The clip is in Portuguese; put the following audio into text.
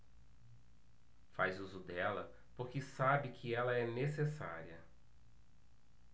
faz uso dela porque sabe que ela é necessária